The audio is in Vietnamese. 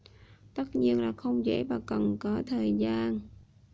tất nhiên là không dễ và cần có thời gian